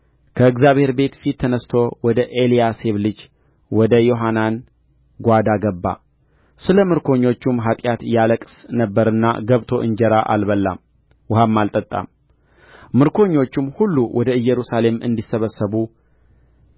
ከእግዚአብሔር ቤት ፊት ተነሥቶ ወደ ኤልያሴብ ልጅ ወደ ዮሐናን ጓዳ ገባ ስለ ምርኮኞቹም ኃጢአት ያለቅስ ነበርና ገብቶ እንጀራ አልበላም ውኃም አልጠጣም ምርኮኞቹም ሁሉ ወደ ኢየሩሳሌም እንዲሰበሰቡ